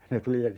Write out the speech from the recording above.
ne tuli ja